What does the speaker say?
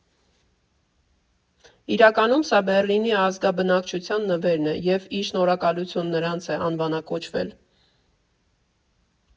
Իրականում սա Բեռլինի ազգաբնակչության նվերն է և ի շնորհակալություն նրանց է անվանակոչվել։